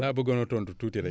la bëggoon a tontu tuuti rekk